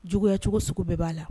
Juguya cogo sugu bɛɛ b'a la